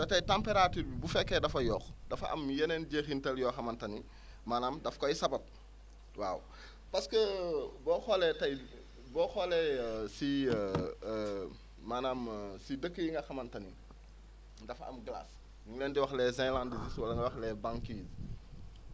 te tey température bi bu fekkee dafa yokk dafa am yeneen jeexintal yoo xamante ne nii maanaam daf koy sabab waaw parce que boo xoolee tey boo xoolee si maanaam si dëkk yi nga xamante ni dafa am glace ñu ngi leen di wax les * wala nga wax les banquises